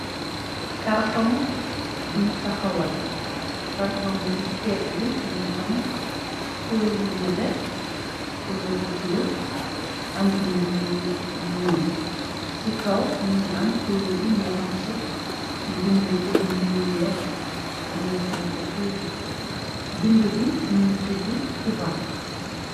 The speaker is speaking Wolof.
kartong buñu taxawal kartong bi ci pegg bi mu ngi am kulóor bu nete kuloor bu bula am bindu yu nuul ci kaw mu ngi am kuloor bu ñeexam sep ni binde ku bind yu weex am la xon ko tuuti bind bi mu ngi tudd kubaan